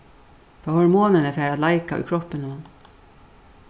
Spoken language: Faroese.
tá hormonini fara at leika í kroppinum